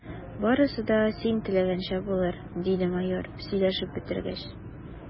Барысы да син теләгәнчә булыр, – диде майор, сөйләшеп бетергәч.